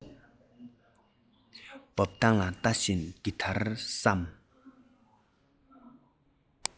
འབབ སྟངས ལ ལྟ བཞིན འདི ལྟར བསམ